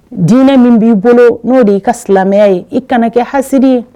Dinɛ min b'i bolo n'o de y' i ka silamɛya ye, i kana kɛ hasidi ye.